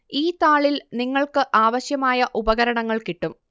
ഈ താളിൽ നിങ്ങൾക്ക് ആവശ്യമായ ഉപകരണങ്ങൾ കിട്ടും